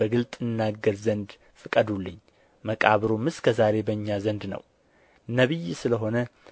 በግልጥ እናገር ዘንድ ፍቀዱልኝ መቃብሩም እስከ ዛሬ በእኛ ዘንድ ነው ነቢይ ስለ ሆነ